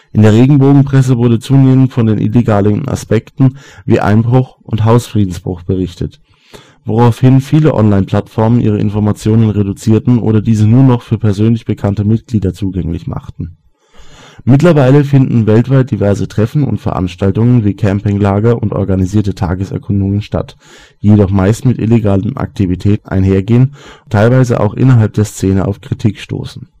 Regenbogenpresse wurde zunehmend von den illegalen Aspekten wie Einbruch und Hausfriedensbruch berichtet, woraufhin viele Online-Plattformen ihre Informationen reduzierten oder diese nur noch für persönlich bekannte Mitglieder zugänglich machten. Mittlerweile finden weltweit diverse Treffen und Veranstaltungen wie Campinglager und organisierte Tageserkundungen statt, die jedoch meist mit illegalen Aktivitäten einhergehen und teilweise auch innerhalb der Szene auf Kritik stoßen